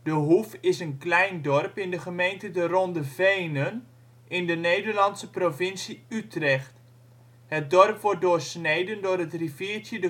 Hoef is een klein dorp in de gemeente De Ronde Venen in de Nederlandse provincie Utrecht. Het dorp wordt doorsneden door het riviertje